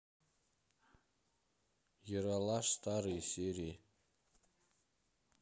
ералаш старые серии